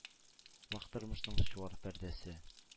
Вак тормышның чуар пәрдәсе,